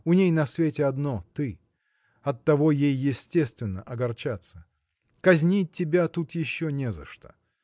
У ней на свете одно – ты: оттого ей естественно огорчаться. Казнить тебя тут еще не за что